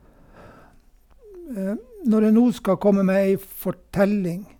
Når jeg nå skal komme med ei fortelling.